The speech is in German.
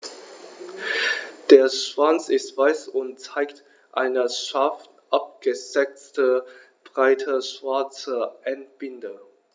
Der Schwanz ist weiß und zeigt eine scharf abgesetzte, breite schwarze Endbinde.